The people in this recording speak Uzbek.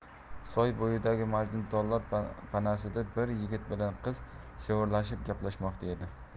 soy bo'yidagi majnuntollar panasida bir yigit bilan qiz shivirlashib gaplashmoqda edi